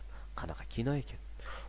qanaqa kino ekan